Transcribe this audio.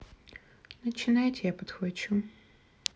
начинайте я подхвачу